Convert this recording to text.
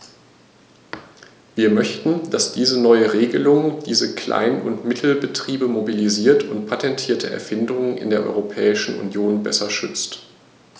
Wir möchten, dass diese neue Regelung diese Klein- und Mittelbetriebe mobilisiert und patentierte Erfindungen in der Europäischen Union besser schützt.